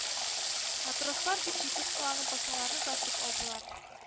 Матрослар, бик җитез кыланып, басмаларны тартып алдылар;